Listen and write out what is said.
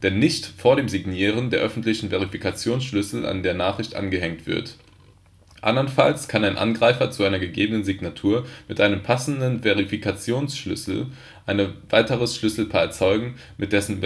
nicht vor dem Signieren der öffentliche Verifikationsschlüssel an die Nachricht angehängt wird. Andernfalls kann ein Angreifer zu einer gegebenen Signatur mit einem passenden Verifikationsschlüssel ein weiteres Schlüsselpaar erzeugen, mit dessen